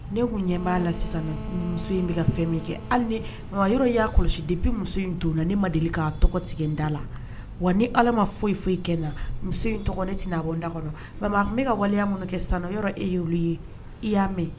Ne tun ɲɛ b'a la sisan mɛ muso in bɛ ka fɛn min kɛ hali yɔrɔ y'a kɔlɔsi de bɛ muso in don na ne ma deli k'a tɔgɔ tigɛ da la wa ni ala ma foyi foyi i kɛ na muso in tɔgɔ ne tɛ'a bɔ da kɔnɔ tun bɛ ka waleya min kɛ o yɔrɔ e ye olu ye i y'a mɛn